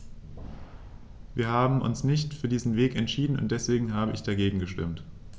Wir haben uns nicht für diesen Weg entschieden, und deswegen habe ich dagegen gestimmt.